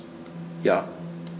Ja.